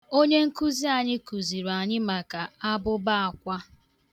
Onye nkụzi anyị kuziri anyị maka abụbọ akwa.